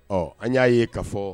Ɔ an y'a ye ka fɔ